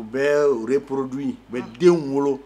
U bɛ oe porod u bɛ den wolo